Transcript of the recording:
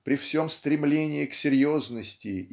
при всем стремлении к серьезности